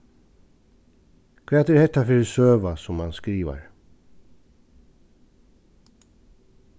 hvat er hetta fyri søga sum hann skrivar